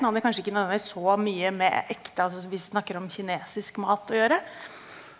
den hadde kanskje ikke nødvendigvis så mye med ekte altså vi snakker om kinesisk mat å gjøre.